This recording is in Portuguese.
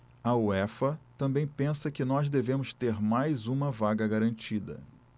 a uefa também pensa que nós devemos ter mais uma vaga garantida